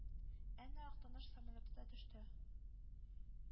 Әнә Актаныш самолеты да төште.